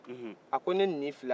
a ko ne nin filɛ